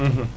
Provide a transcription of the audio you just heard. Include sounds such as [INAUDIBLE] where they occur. [HESITATION] [HESITATION]